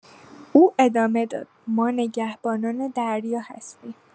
او ادامه داد: «ما نگهبانان دریا هستیم.»